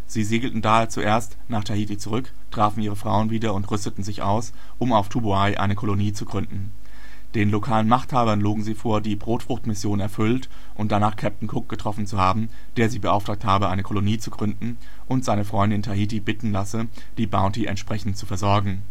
Sie segelten daher zuerst nach Tahiti zurück, trafen ihre Frauen wieder und rüsteten sich aus, um auf Tubuai eine Kolonie zu gründen. Den lokalen Machthabern logen sie vor, die Brotfruchtmission erfüllt und danach Captain Cook getroffen zu haben, der sie beauftragt habe, eine Kolonie zu gründen und seine Freunde in Tahiti bitten lasse, die Bounty entsprechend zu versorgen